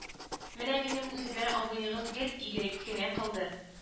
Менә минем үземә абыегыз гел игелек кенә кылды